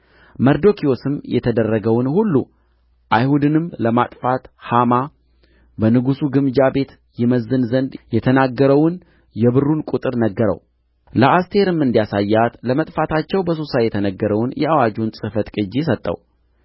መርዶክዮስም የተደረገውን ሁሉ አይሁድንም ለማጥፋት ሐማ በንጉሡ ግምጃ ቤት ይመዝን ዘንድ የተናገረውን የብሩን ቍጥር ነገረው ለአስቴርም እንዲያሳያት ለመጥፋታቸው በሱሳ የተነገረውን የአዋጁን ጽሕፈት ቅጅ ሰጠው